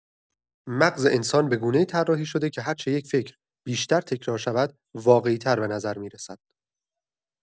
مغز انسان به‌گونه‌ای طراحی شده که هرچه یک فکر بیشتر تکرار شود، واقعی‌تر به نظر می‌رسد.